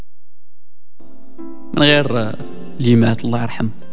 غير اللي مات الله يرحمه